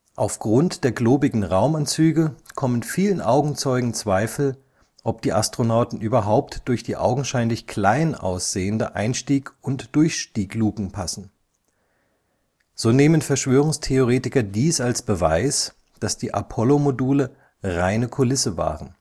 Auf Grund der klobigen Raumanzüge kommen vielen Augenzeugen Zweifel, ob die Astronauten überhaupt durch die augenscheinlich klein aussehende Einstieg - und Durchstiegluken passen. So nehmen Verschwörungstheoretiker dies als Beweis, dass die Apollo-Module reine Kulisse waren